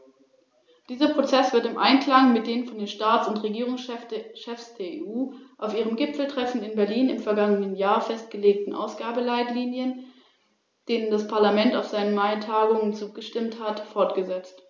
Diesem Punkt wird - wieder einmal - nicht die nötige Aufmerksamkeit gewidmet: Das geht nun schon all die fünf Jahre so, die ich Mitglied des Parlaments bin, und immer wieder habe ich auf das Problem hingewiesen.